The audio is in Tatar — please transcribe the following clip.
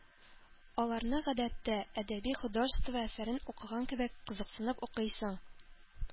Аларны, гадәттә, әдәби-художество әсәрен укыган кебек кызыксынып укыйсың.